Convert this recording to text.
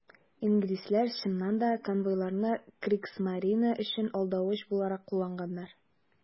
Инглизләр, чыннан да, конвойларны Кригсмарине өчен алдавыч буларак кулланганнар.